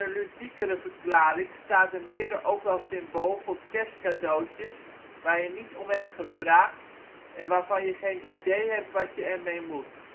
ludiekere verklaring staat de mirre ook wel symbool voor kerstcadeautjes waar je niet om hebt gevraagd en waarvan je geen idee hebt wat je ermee moet